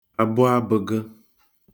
abụabegė